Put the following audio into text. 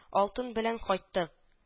Алтын белән кайтты